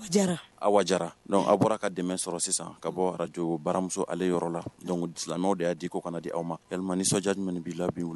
Awa Jara, aw bɔra ka dɛmɛ sɔrɔ sisan ka bɔ Radio baramuso ale yɔrɔ la . Donc silamɛw de ya di ko ka na di aw ma . Yalima nisɔndiya jumɛn de bi la bi